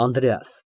ԱՆԴՐԵԱՍ ֊